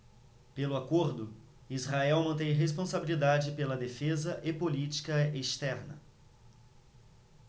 pelo acordo israel mantém responsabilidade pela defesa e política externa